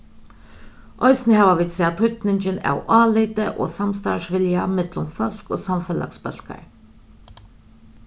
eisini hava vit sæð týdningin av áliti og samstarvsvilja millum fólk og samfelagsbólkar